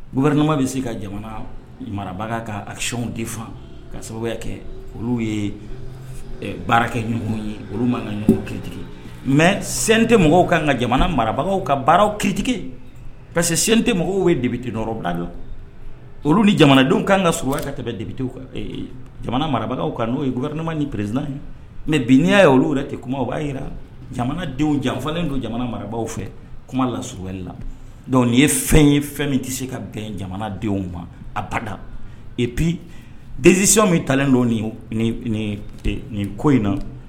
Ma bɛ se ka marabaga kakisiyw de faa ka sababu kɛ olu ye baara kɛ ɲɔgɔnw ye olu kitigi mɛ sen tɛ mɔgɔw kan ka jamana marabagaw ka baaraw kitigi parce que sin tɛ mɔgɔw debi tɛɔrɔ da dɔn olu ni jamanadenw kan ka s kan tɛmɛ jamana marabagawkaw kan n'o yema ni perezdinaan ye mɛ bi'ya ye olu yɛrɛ tɛ kuma o b'a jira jamanadenw jamanafalen don jamana marabagaw fɛ kuma la s wɛrɛ la dɔnku nin ye fɛn ye fɛn min tɛ se ka bɛn jamanadenw ma a bada ep dezsiw min talen don nin ko in na